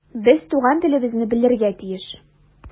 Без туган телебезне белергә тиеш.